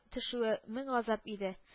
Төшүе мең газап иде